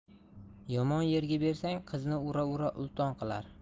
yomon yerga bersang qizni ura ura ulton qilar